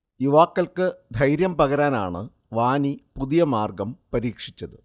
യുവാക്കൾക്കു 'ധൈര്യം' പകരാനാണു വാനി പുതിയ മാർഗം പരീക്ഷിച്ചത്